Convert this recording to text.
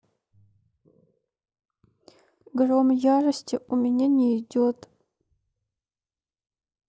гром ярости у меня не идет